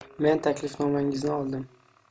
men taklifnomangizni oldim